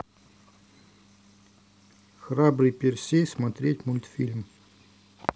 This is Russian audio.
храбрый персей смотреть мультфильм